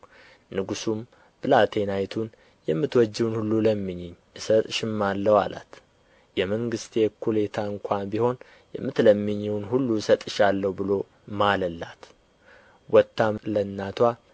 ንጉሡም ብላቴናይቱን የምትወጂውን ሁሉ ለምኚኝ እሰጥሽማለሁ አላት የመንግሥቴ እኩሌታ ስንኳ ቢሆን የምትለምኚውን ሁሉ እሰጥሻለሁ ብሎ ማለላት ወጥታም ለእናትዋ